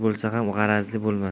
bo'lsa ham g'arazli bo'lmas